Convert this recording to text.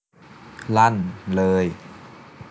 ลั่นเลย